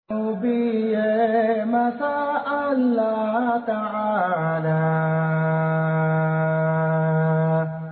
Gɛnin ma la ka laban